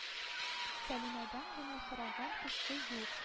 Сәлимәдән генә сораган кеше юк